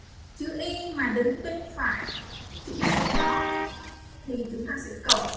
chứ ai mà đứng bên phải chữ số đó thì chúng ta sẽ cộng